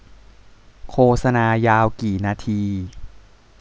โฆษณายาวกี่นาที